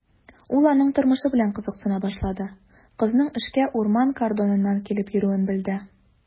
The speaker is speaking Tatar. Ул аның тормышы белән кызыксына башлады, кызның эшкә урман кордоныннан килеп йөрүен белде.